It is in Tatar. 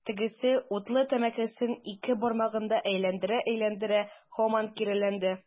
Тегесе, утлы тәмәкесен ике бармагында әйләндерә-әйләндерә, һаман киреләнде.